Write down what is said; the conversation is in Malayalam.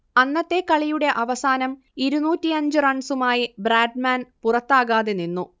അന്നത്തെ കളിയുടെ അവസാനം ഇരുന്നൂറ്റിയഞ്ച് റൺസുമായി ബ്രാഡ്മാൻ പുറത്താകാതെ നിന്നു